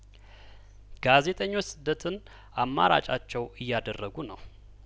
ጋዜጠኞች ስደትን አማ ራጫቸው እያደረጉ ነው